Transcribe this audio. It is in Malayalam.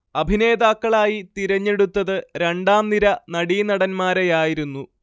അഭിനേതാക്കളായി തിരഞ്ഞെടുത്തത്‌ രണ്ടാംനിര നടീനടൻമാരെയായിരുന്നു